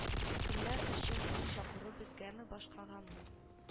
Кемнәр өчен бу чакыру безгәме башкагамы